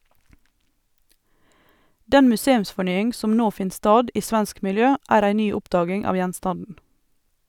Den museumsfornying som nå finn stad i svensk miljø er ei ny oppdaging av gjenstanden.